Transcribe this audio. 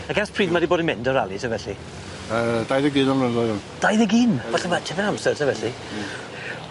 Ag ers pryd ma' 'di bod yn mynd y rali te felly? Yy dau ddeg un o flynyddoedd rŵan.. Dau ddeg un? Felly ma'n tipyn o amser te felly. Hmm.